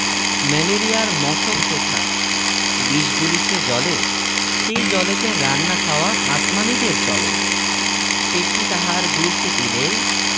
ম্যালেরিয়ার মশক সেথা বিষ গুলিছে জলে সেই জলেতে রান্না খাওয়া আসমানীদের চলে পেটটি তাহার দুলছে পিলেয়